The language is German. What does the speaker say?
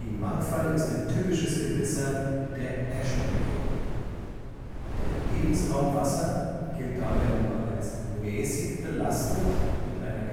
Mangfall ist ein typisches Gewässer der Äschenregion. Der Lebensraum Wasser gilt dabei nur als mäßig belastet mit einer